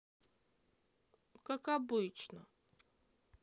как обычно